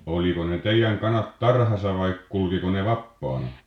oliko ne teidän kanat tarhassa vai kulkiko ne vapaana